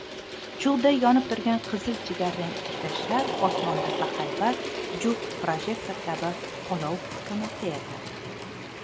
cho'g'day yonib turgan qizil jigarrang ikkita shar osmonda bahaybat juft projektor kabi olov purkamoqda edi